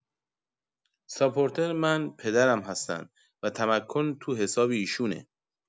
ساپورتر من پدرم هستن و تمکن تو حساب ایشونه